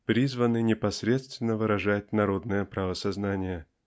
призванный непосредственно выражать народное правосознание.